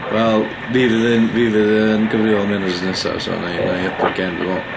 Wel, fi fydd yn fi fydd yn gyfrifol am hyn wythnos nesaf, so wna i ypio'r gêm, dwi'n meddwl.